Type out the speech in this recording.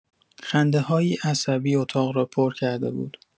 خنده‌هایی عصبی اتاق را پر کرده بود.